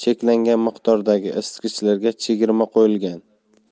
miqdordagi isitgichlarga chegirma qo'yilgan